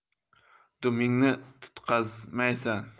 dumingni tutqazmaysan